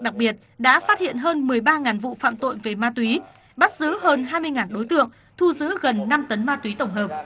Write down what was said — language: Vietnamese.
đặc biệt đã phát hiện hơn mười ba ngàn vụ phạm tội về ma túy bắt giữ hơn hai mươi ngàn đối tượng thu giữ gần năm tấn ma túy tổng hợp